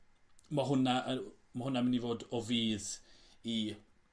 ma' hwnna yy ma' hwnna' myn' i fod o fudd i